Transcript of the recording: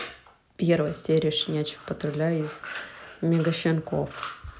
первая серия щенячьего патруля из мегащенков